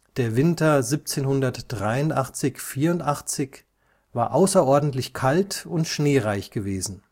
Der Winter 1783 / 1784 war außergewöhnlich kalt und schneereich gewesen